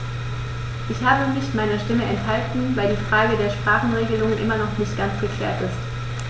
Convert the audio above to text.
Ich habe mich meiner Stimme enthalten, weil die Frage der Sprachenregelung immer noch nicht ganz geklärt ist.